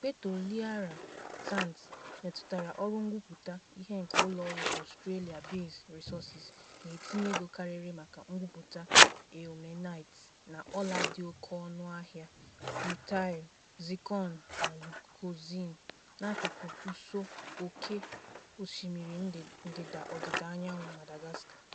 ZR: Ikpe Toliara Sands metụtara ọrụ ngwupụta ihe nke ụlọọrụ Australia Base Resources na-etinye ego karịrị maka ngwupụta ilmenite na ọla dị oke ọnụahịa (rutile, zircon na leucoxene) n'akụkụ ụsọ oké osimiri ndịda ọdịdaanyanwụ Madagascar.